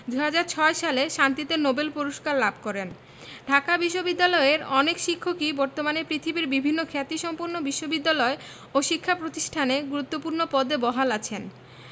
২০০৬ সালে শান্তিতে নোবেল পূরস্কার লাভ করেন ঢাকা বিশ্ববিদ্যালয়ের অনেক শিক্ষকই বর্তমানে পৃথিবীর বিভিন্ন খ্যাতিসম্পন্ন বিশ্ববিদ্যালয় ও শিক্ষা প্রতিষ্ঠানে গুরুত্বপূর্ণ পদে বহাল আছেন